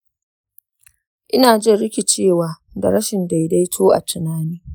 ina jin rikicewa da rashin daidaito a tunani